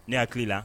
Ne y hakili i la